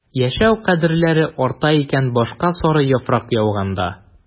Яшәү кадерләре арта икән башка сары яфрак яуганда...